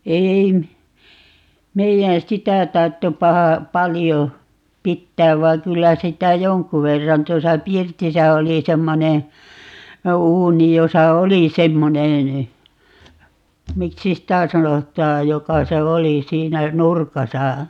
ei - meidän sitä tarvitse paha paljon pitää vaan kyllä sitä jonkun verran tuossa pirtissä oli semmoinen uuni jossa oli semmoinen miksi sitä sanotaan joka se oli siinä nurkassa